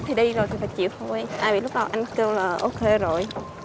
thì đi rồi thì phải chịu thôi ai biểu lúc đầu anh kêu là ô kê rồi